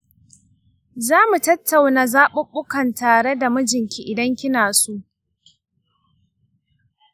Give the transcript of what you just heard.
za mu tattauna zaɓuɓɓukan tare da mijinki idan kina so.